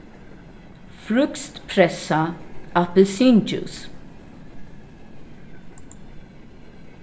frískt pressað appilsindjús